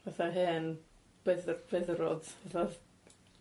Fatha hen byddy- byddrod fatha.